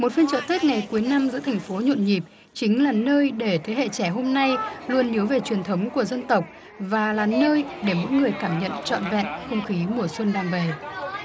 một phiên chợ tết ngày cuối năm giữa thành phố nhộn nhịp chính là nơi để thế hệ trẻ hôm nay luôn nhớ về truyền thống của dân tộc và là nơi để mỗi người cảm nhận trọn vẹn không khí mùa xuân đang về